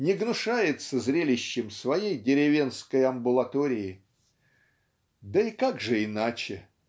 не гнушается зрелищем своей деревенской амбулатории. Да и как же иначе?